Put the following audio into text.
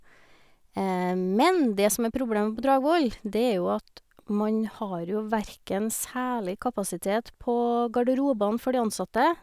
Men det som er problemet på Dragvoll, det er jo at man har jo verken særlig kapasitet på garderobene for de ansatte.